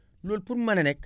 loolu pour mu mën a nekk